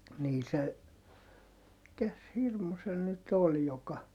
niin se mikäs hirmu se nyt oli joka